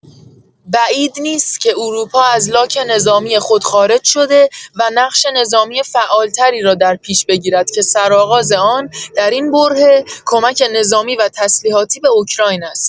بعید نیست که اروپا از لاک نظامی خود خارج‌شده و نقش نظامی فعال‌تری را در پیش بگیرد که سرآغاز آن، در این برهه، کمک نظامی و تسلیحاتی به اوکراین است.